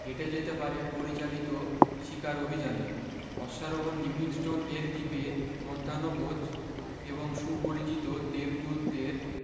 হেঁটে যেতে পারে পরিচালিত শিকার অভি্যানে অশ্বারোহণ লিভিংস্টোন এর দ্বীপে মধ্যাহ্নভোজ এবং সু পরিচিত দেবদূতদের